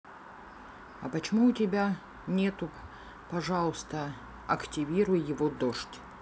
а почему у тебя нету пожалуйста активируй его дождь